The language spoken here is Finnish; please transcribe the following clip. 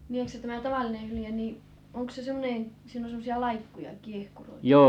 niin eikö se tämä tavallinen hylje niin onko se semmoinen siinä on semmoisia laikkuja kiehkuroita